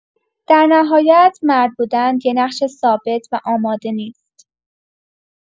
در نهایت، مرد بودن یه نقش ثابت و آماده نیست.